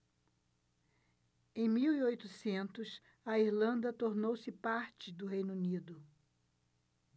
em mil e oitocentos a irlanda tornou-se parte do reino unido